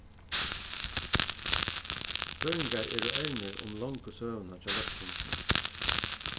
føroyingar eru ernir um longu søguna hjá løgtinginum